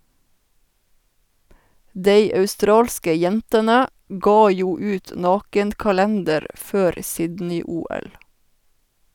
Dei australske jentene gav jo ut naken-kalender før Sydney-OL.